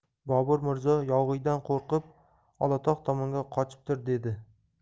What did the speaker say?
bobur mirzo yog'iydan qo'rqib olatog' tomonga qochibdir dedi